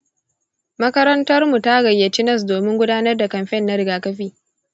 makarantar mu ta gayyaci nas domin gudanar da kamfen na rigakafi.